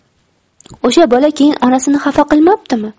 o'sha bola keyin onasini xafa qilmabdimi